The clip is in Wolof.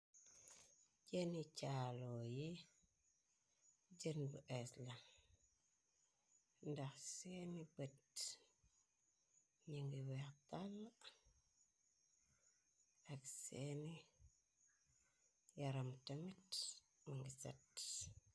Jeni chaalo yi jën bu bessla ndax sen bët ñingi weextall ak seeni yaram tamit mungi set.